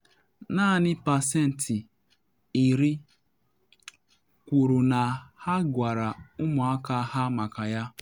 Naanị pasentị 10 kwuru na ha gwara ụmụaka ha maka ya.